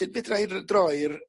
sud fedra i r- droi'r